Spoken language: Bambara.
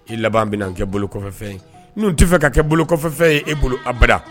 I laban bɛna kɛ bolokɔfɛ fɛn ye, n don tɛ fɛ ka kɛ bolokɔfɛ fɛn ye e bolo abada.